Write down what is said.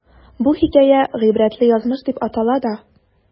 Бер хикәя "Гыйбрәтле язмыш" дип атала да.